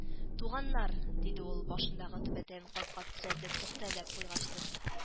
— туганнар, — диде ул, башындагы түбәтәен кат-кат төзәтеп, пөхтәләп куйгачтын